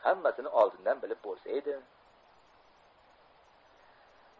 hammasini oldindan bilib bo'lsaydi